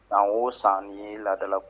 N o san ni laadada